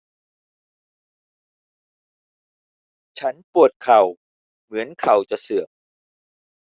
ฉันปวดเข่าเหมือนเข่าจะเสื่อม